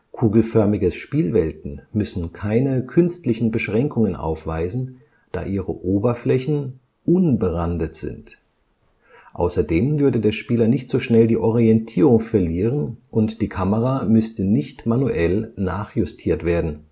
Kugelförmige Spielwelten müssen keine künstlichen Beschränkungen aufweisen, da ihre Oberflächen unberandet sind; außerdem würde der Spieler nicht so schnell die Orientierung verlieren und die Kamera müsste nicht manuell nachjustiert werden